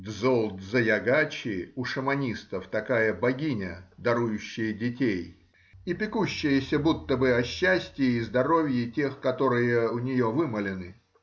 Дзол-Дзаягачи у шаманистов такая богиня, дарующая детей и пекущаяся будто бы о счастии и здоровье тех, которые у нее вымолены.